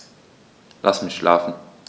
Lass mich schlafen